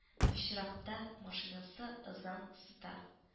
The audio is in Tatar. Пычракта машинасы ызан сыта